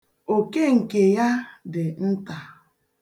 Oke nke ya dị nta.